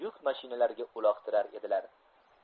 yuk mashinalarga uloqtirar edilar